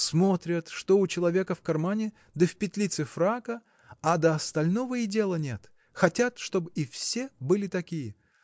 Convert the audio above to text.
Смотрят что у человека в кармане да в петлице фрака а до остального и дела нет. Хотят, чтоб и все были такие!